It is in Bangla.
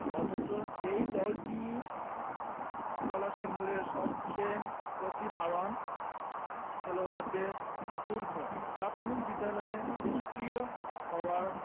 অথচ এই দলটিই কলসিন্দুরের সবচেয়ে প্রতিভাবান খেলোয়াড়দের আঁতুড়ঘর প্রাথমিক বিদ্যালয় নিষ্ক্রিয় হওয়ার